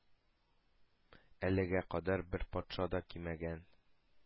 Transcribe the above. Әлегә кадәр бер патша да кимәгән,